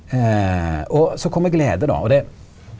og så kjem glede då og det.